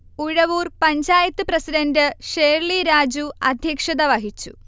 Uzhavoor panchayat president Shirley Raju അധ്യക്ഷത വഹിച്ചു